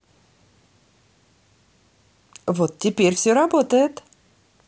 вот теперь все работает